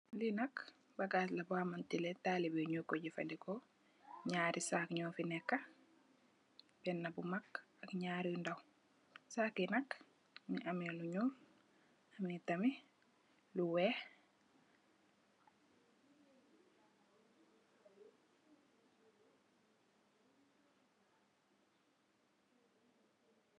Lii nak bagass la bor hamanteh neh talibeh yii njur koi jeufandehkor, njaari sac njur fii neka, benah bu mak ak njarr yu ndaw, sac yii nak mungy ameh lu njull, ameh tamit lu wekh.